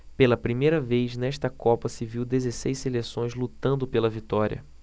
pela primeira vez nesta copa se viu dezesseis seleções lutando pela vitória